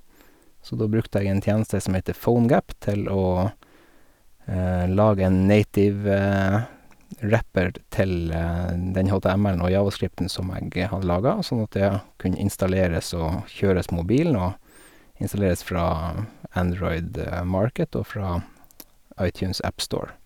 Så da brukte jeg en tjeneste som heter Phonegap til å lage en native wrapper til den HTML-en og JavaScript-en som jeg hadde laga sånn at det kunne installeres og kjøres på mobilen og installeres fra Android Market og fra iTunes Appstore.